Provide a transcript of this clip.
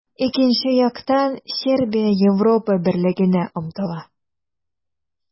Икенче яктан, Сербия Европа Берлегенә омтыла.